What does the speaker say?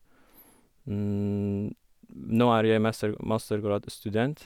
Nå er jeg mester mastergradstudent.